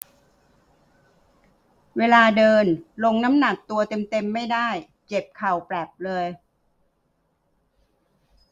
เวลาเดินลงน้ำหนักตัวเต็มเต็มไม่ได้เจ็บเข่าแปลบเลย